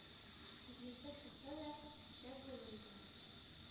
Җыентык чыкса да шәп булыр иде.